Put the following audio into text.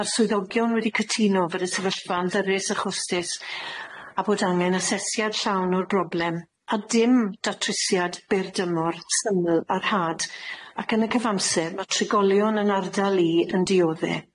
Ma'r swyddogion wedi cytuno fod y sefyllfa'n ddyrus achostus a bod angen asesiad llawn o'r broblem a dim datrysiad byr dymor syml a rhad ac yn y cyfamser ma' trigolion yn ardal i yn diodde.